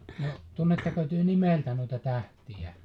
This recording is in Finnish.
no tunnetteko te nimeltä noita tähtiä